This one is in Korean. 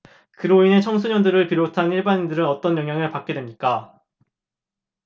그로 인해 청소년들을 비롯한 일반인들은 어떤 영향을 받게 됩니까